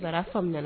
Jara faamuya